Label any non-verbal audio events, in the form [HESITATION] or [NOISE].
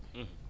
[HESITATION] [HESITATION]